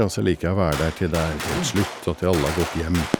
Og så liker jeg å være der til det er helt slutt og til alle har gått hjem.